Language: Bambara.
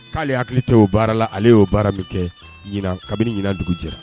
K'ale hakili tɛ o baara la ale y'o baara min kɛ ɲin kabini ɲin dugu jɛra